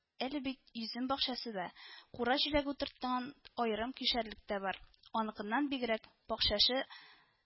Әле бит йөзем бакчасы да, кура җиләге утырткан аерым кишәрлек тә бар, аныкыннан бигрәк, бакчачы